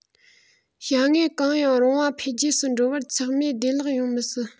བྱ དངོས གང ཡང རུང བ འཕེལ རྒྱས སུ འགྲོ བར ཚེགས མེད བདེ བླག ཡོང མི སྲིད